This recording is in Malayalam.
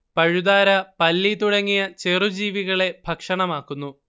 പഴുതാര പല്ലി തുടങ്ങിയ ചെറു ജീവികളെ ഭക്ഷണമാക്കുന്നു